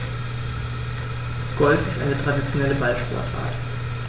Golf ist eine traditionelle Ballsportart.